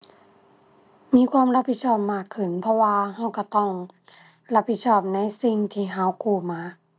มีความรับผิดชอบมากขึ้น เพราะว่าเราเราต้อง รับผิดชอบในสิ่งที่เรากู้มา